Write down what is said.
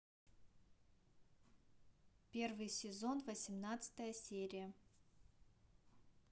первый сезон восемнадцатая серия